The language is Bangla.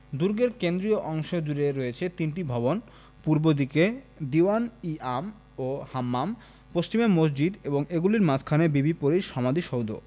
দুর্গের কেন্দ্রীয় অংশ জুড়ে রয়েছে তিনটি ভবন পূর্ব দিকে দীউয়ান ই আম ও হাম্মাম পশ্চিমে মসজিদ এবং এগুলির মাঝখানে বিবি পরীর সমাধিসৌধ